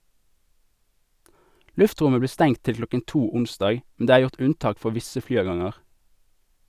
Luftrommet blir stengt til kl. 02 onsdag, men det er gjort unntak for visse flyavganger.